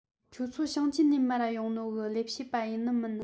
ཁྱོད ཚོ ཞིང ཆེན ནས མར ར ཡོང ནོ ལས བྱེད པ ཡིན ནི མིན ན